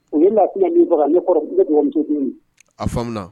U ye nafin min faga nemuso a faamuya